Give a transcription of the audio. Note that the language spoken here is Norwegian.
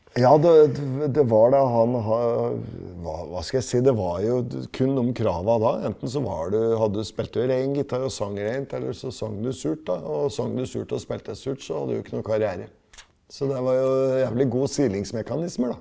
ja det det var da han hva hva skal jeg si, det var jo kun dem krava da, enten så var du hadde du spilte rein gitar og sang reint, eller så sang du surt da og sang du surt og spilte surt så hadde du ikke noe karriere, så det var jo jævlig god silingsmekanismer da.